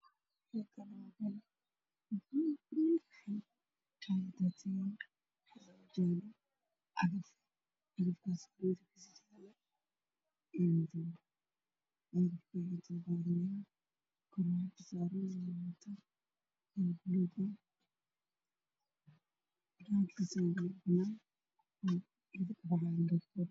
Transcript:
Meeshan waxaa taala caga cagaf waxayna guureysaa ciid xaani